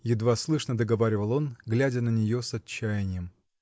— едва слышно договаривал он, глядя на нее с отчаянием.